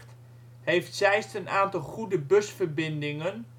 Zeist een aantal goede busverbindingen